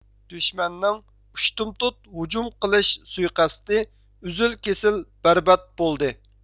دۈشمەننىڭ ئۇشتۇمتۇت ھۇجۇم قىلىش سۇيىقەستى ئۈزۈل كېسىل بەربات بولدى